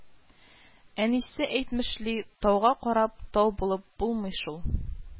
Әнисе әйтмешли, тауга карап тау булып булмый шул